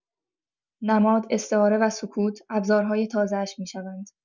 نماد، استعاره و سکوت، ابزارهای تازه‌اش می‌شوند.